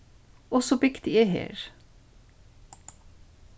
og so bygdi eg her